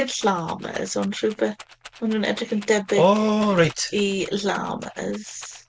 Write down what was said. Nid llamas ond rhywbeth, o'n nhw'n edrych yn debyg... O reit! ...i llamas.